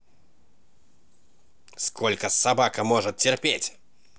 сколько собака может терпеть